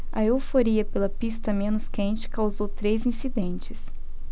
a euforia pela pista menos quente causou três incidentes